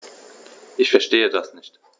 Ich verstehe das nicht.